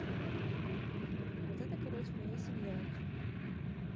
вот это короче моя семья